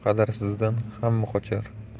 qadrsizdan hamma qochar